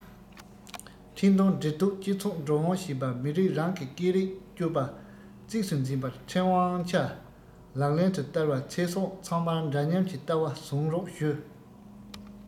འཕྲིན གཏོང འབྲེལ གཏུག སྤྱི ཚོགས འགྲོ འོང བྱེད པ མི རིགས རང གི སྐད རིགས སྤྱོད པ གཙིགས སུ འཛིན པར ཁྲིམས དབང ཆ ལག ལེན དུ བསྟར བ ཚེ སྲོག ཚང མར འདྲ མཉམ གྱི ལྟ བ བཟུང རོགས ཞུ